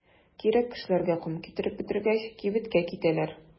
Кирәк кешеләргә ком китереп бетергәч, кибеткә китәләр.